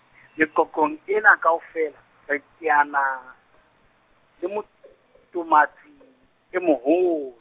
meqoqong ena kaofela, re teana, le motomatsi, e moho-.